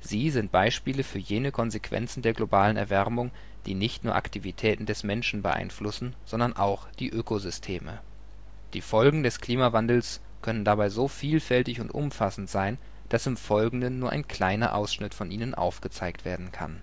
Sie sind Beispiele für jene Konsequenzen der globalen Erwärmung, die nicht nur Aktivitäten des Menschen beeinflussen, sondern auch die Ökosysteme. Die Folgen des Klimawandels könnten dabei so vielfältig und umfassend sein, dass im Folgenden nur ein kleiner Ausschnitt von ihnen aufgezeigt werden kann